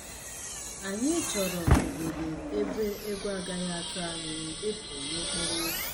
Anyị chọrọ obodo ebe égwù agaghị atụ anyị ịpụ n'okporo ụzọ!